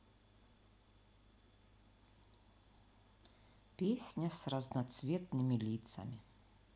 песня с разноцветными лицами